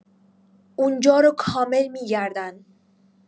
اونجا رو کامل می‌گردن